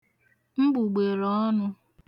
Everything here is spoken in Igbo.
mgbùgbèrè ọnụ̄